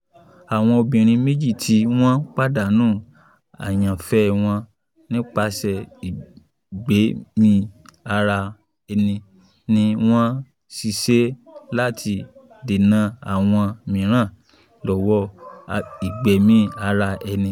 Àwọn obìnrin méjì tí wọ́n pàddánù àyànfẹ́ wọn nípaṣẹ́ ìgbẹ́mí ara ẹni ni wọ́n ń ṣiṣẹ́ láti dènà àwọn míràn lọ́wọ́ ìgbẹ̀mí ara ẹni.